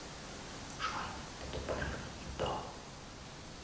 джой ты тупорылая не то